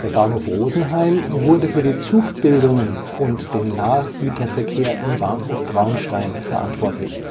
Bahnhof Rosenheim wurde für die Zugbildungen und dem Nahgüterverkehr im Bahnhof Traunstein verantwortlich